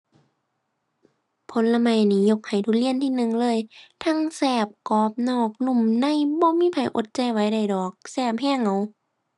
ผลไม้นี่ยกให้ทุเรียนที่หนึ่งเลย ทั้งแซ่บ กรอบนอก นุ่มใน บ่มีไผอดใจไหวได้ดอก แซ่บแรง เอ้า